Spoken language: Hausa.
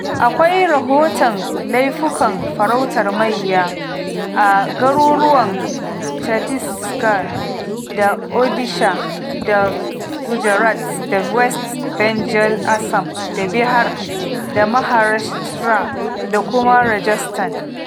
Akwai rahoton laifukan farautar mayya a garuruwan Chattisgarh da Odisha da Gujarat da West Bengal Assam da Bihar da Maharashtra da kuma Rajasthan.